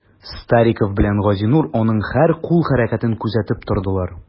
Стариков белән Газинур аның һәр кул хәрәкәтен күзәтеп тордылар.